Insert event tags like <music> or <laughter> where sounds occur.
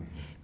<hesitation> <hesitation>